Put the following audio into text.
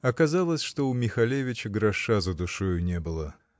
Оказалось, что у Михалевича гроша за душой не было.